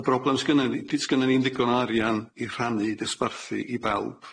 Y broblem sgynnon ni d- sgynnon ni'm ddigon o arian i rhannu i dosbarthu i bawb.